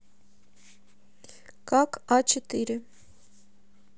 как а четыре